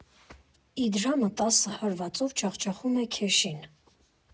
Իդրամը տասը հարվածով ջախջախում է քեշին.